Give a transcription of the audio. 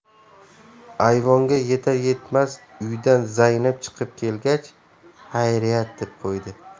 ayvonga yetar etmas uydan zaynab chiqib kelgach xayriyat deb qo'ydi